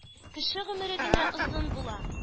Кеше гомере генә озын ул,